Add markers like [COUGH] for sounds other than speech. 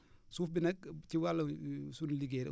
suuf bi nag ci wàll [HESITATION] sunu liggéey rek